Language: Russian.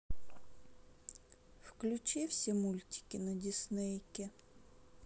включи все мультики на диснейке